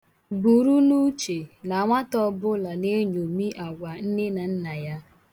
Buru n' uche na nwata ọbụla na-eṅomi agwa nne na nna ya.